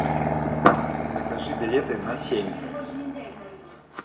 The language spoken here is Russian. закажи билеты на с семь